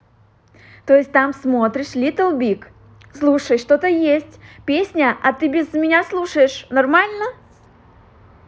то есть там смотришь little big слушай что то есть песня а ты без меня слушаешь нормально